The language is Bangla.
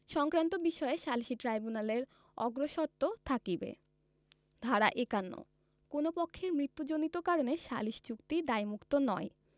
সংক্রান্ত বিষয়ে সালিসী ট্রাইব্যুনালের অগ্রস্বত্ব থাকিবে ধারা ৫১ কোন পক্ষের মৃত্যুজনিত কারণে সালিস চুক্তি দায়মুক্ত নয়